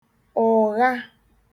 ụ̀gha